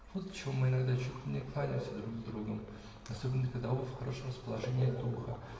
Вот отчего мы иногда чуть не кланяемся друг с другом, особенно когда оба в хорошем расположении духа.